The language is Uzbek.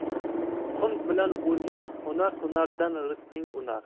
qunt bilan o'rgan hunar hunardan rizqing unar